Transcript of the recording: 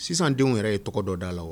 Sisan denw yɛrɛ ye tɔgɔ dɔ d da la wa